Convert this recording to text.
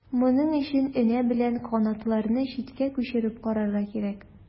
Моның өчен энә белән канатларны читкә күчереп карарга кирәк.